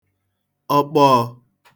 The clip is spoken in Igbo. ọkpọọ̄